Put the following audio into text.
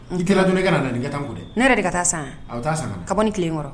N kɛlɛ don nekɛ nana nin ka taa kun dɛ ne yɛrɛ de ka taa san taa ka tile kɔrɔ